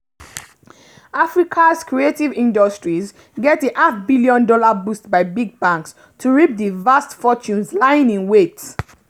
Africa's creative industries get a half-billion-dollar boost by big banks to reap the vast fortunes lying in wait'